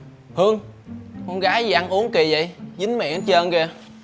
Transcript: hương con gái gì ăn uống kì vậy dính miệng hết trơn kìa